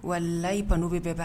Wala layi pan' bɛ bɛɛ ban